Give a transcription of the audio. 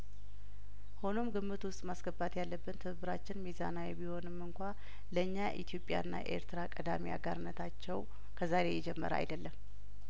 ሆኖም ግምት ውስጥ ማስገባት ያለብን ትብብራችን ሚዛናዊ ቢሆንም እንኳ ለኛ ኢትዮጵያና ኤርትራ ቀዳሚ አጋርነታቸው ከዛሬ የጀመረ አይደለም